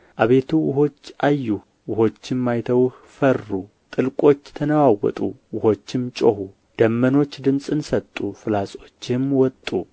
አቤቱ ውኆች አዩህ ውኆችም አይተውህ ፈሩ ጥልቆች ተነዋወጡ ውኆችም ጮኹ ደመኖች ድምፅን ሰጡ ፍላጾችህም ወጡ